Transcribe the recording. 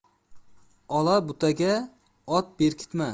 ola butaga ot berkitma